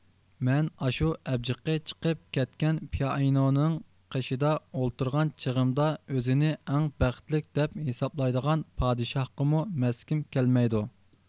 مەن ئاشۇ ئەبجىقى چىقىپ كەتكەن پىئانىنونىڭ قېشىدا ئولتۇرغان چېغىمدا ئۆزىنى ئەڭ بەخىتلىك دەپ ھېسابلايدىغان پادىشاھقىمۇ مەسلىگىم كەلمەيدۇ